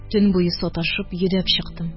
Төн буе саташып, йөдәп чыктым